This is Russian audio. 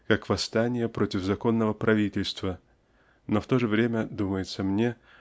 как восстание против законного правительства но в то же время думается мне